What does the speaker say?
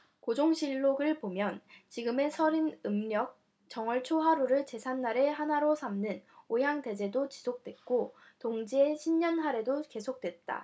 고종실록 을 보면 지금의 설인 음력 정월초하루를 제삿날의 하나로 삼는 오향대제도 지속됐고 동지의 신년하례도 계속됐다